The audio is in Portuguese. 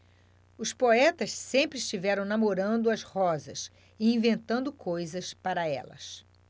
os poetas sempre estiveram namorando as rosas e inventando coisas para elas